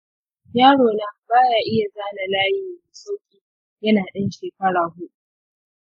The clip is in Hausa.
yarona ba ya iya zana layi mai sauƙi yana ɗan shekara huɗu.